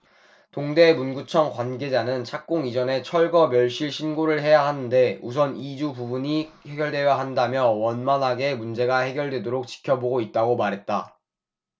동대문구청 관계자는 착공 이전에 철거 멸실 신고를 해야 하는데 우선 이주 부분이 해결돼야 한다며 원만하게 문제가 해결되도록 지켜보고 있다고 말했다